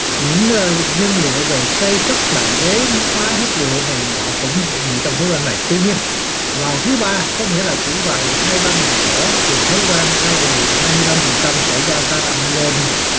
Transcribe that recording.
những người dân liệu về xây cất bàn ghế máy hút bụi này nọ cũng bị trong thuế quan này tuy nhiên vào thứ ba có nghĩa là chỉ vài hai ba ngày nữa thì thuế quan thay vì hai mươi lăm phần trăm sẽ gia tăng lên